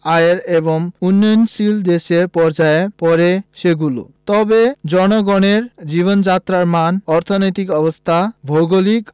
আয়ের এবং উন্নয়নশীল দেশের পর্যায়ে পড়ে সেগুলো তবে জনগণের জীবনযাত্রার মান অর্থনৈতিক অবস্থা ভৌগলিক